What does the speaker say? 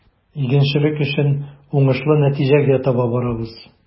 Игенчелек өчен уңышлы нәтиҗәгә таба барабыз.